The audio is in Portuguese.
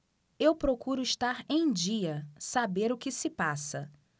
eu procuro estar em dia saber o que se passa